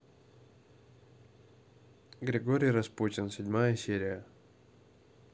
григорий распутин седьмая серия